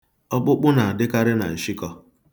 Ọkpụkpụ na-adịkarị na nshịkọ